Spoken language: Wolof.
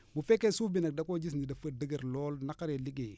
bu fekkee suuf bi nag da koo gis ni dafa dëgër lool naqaree liggéeyee